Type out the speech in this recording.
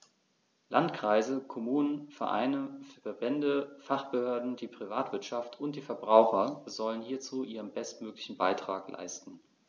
Landkreise, Kommunen, Vereine, Verbände, Fachbehörden, die Privatwirtschaft und die Verbraucher sollen hierzu ihren bestmöglichen Beitrag leisten.